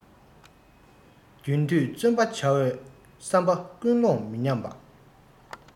རྒྱུན མཐུད བརྩོན པ བྱ བའི བསམ པའི ཀུན སློང མི ཉམས པ